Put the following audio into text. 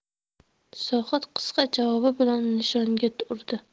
zohid qisqa javobi bilan nishonga urdi